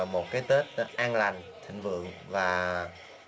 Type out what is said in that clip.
một cái tết an lành thịnh vượng và